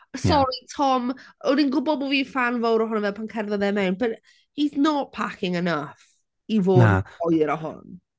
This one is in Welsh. Sori Tom, dwi'n gwbod o fi'n ffan fawr ohono fe pan cerddodd e mewn but he's not packing enough i fod... na ...mor oer â hwn.